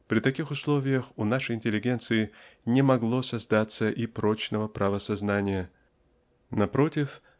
При таких условиях у нашей интеллигенции не могло создаться и прочного правосознания напротив